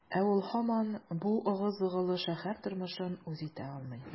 Ә ул һаман бу ыгы-зыгылы шәһәр тормышын үз итә алмый.